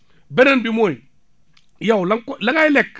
beneen bi mooy yow la nga ko la ngay lekk